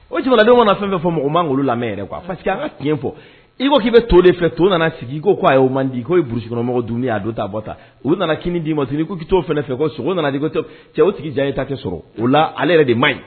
O cɛkɔrɔbadendenw fɛn o fɛn fɔ mɔgɔ ma ngolo la mɛn kuwa fa a ka tiɲɛ fɔ i ko k'i bɛ tolen fɛ to nana sigi ko ko a y'o man di k'ourukɔnɔmɔgɔ dununi aa don dabɔ u nana k dii ma sini ko ki t' o fɛ ko sogo nana di kotɔ cɛ tigi diya ye ta kɛ sɔrɔ o la ale yɛrɛ de ma ɲi